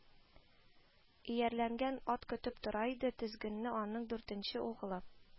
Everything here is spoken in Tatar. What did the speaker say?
Иярләнгән ат көтеп тора иде, тезгенне аның дүртенче угълы